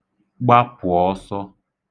gbāpụ̀ ọ̄sọ̄